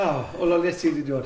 O, o le ti di dod?